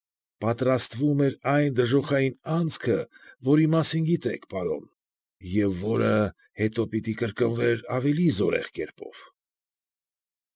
Պատրաստվում էր այն դժոխային անցքը, որի մասին գիտեք, պարոն, և որը հետո պիտի կրկնվեր ավելի զորեղ կերպով։